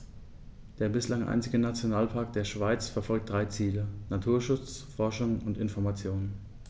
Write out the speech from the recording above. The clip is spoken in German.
Der bislang einzige Nationalpark der Schweiz verfolgt drei Ziele: Naturschutz, Forschung und Information.